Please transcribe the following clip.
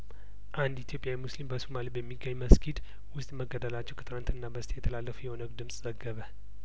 አንድ ኢትዮጵያዊ ሙስሊም በሶማሌ በሚገኝ መስጊድ ውስጥ መገደላቸው ከትናንት በስቲያ የተላለፈው የኦነግ ድምጽ ዘገበ